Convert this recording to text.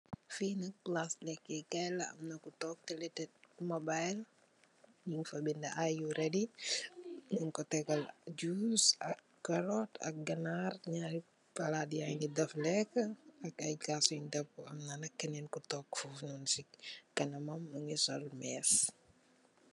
Fii nak palaasi lekee kaay la, amna ku took teletek mobile, myung fa binda are you ready, mung ko tegal juus, ak karot, ak ganaar, nyaari palaat yangi daf lek, ak aye kaas yung daf, amna nak kaneen ku fof noon si kanamam, mungi sol mees.